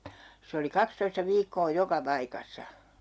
se oli kaksitoista viikkoa joka paikassa